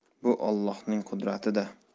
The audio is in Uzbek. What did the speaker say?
bu ollohning qudrati da